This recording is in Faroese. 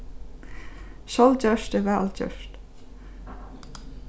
sjálvgjørt er væl gjørt